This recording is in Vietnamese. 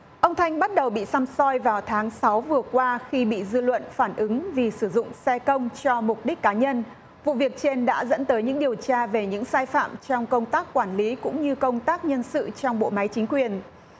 ông thanh bắt đầu bị săm soi vào tháng sáu vừa qua khi bị dư luận phản ứng vì sử dụng xe công cho mục đích cá nhân vụ việc trên đã dẫn tới những điều tra về những sai phạm trong công tác quản lý cũng như công tác nhân sự trong bộ máy chính quyền